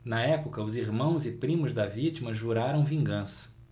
na época os irmãos e primos da vítima juraram vingança